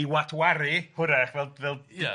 ...ei watwaru hwyrach fel fel... Ia